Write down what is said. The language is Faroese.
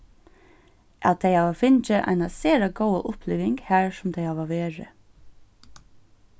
at tey hava fingið eina sera góða uppliving har sum tey hava verið